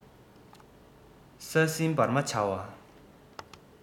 ས སྲིན འབར མ བྱ བ